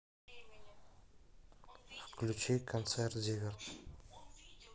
включи концерт зиверт